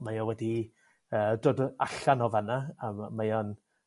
mae o wedi yy dod o allan o fanna a m- mae o'n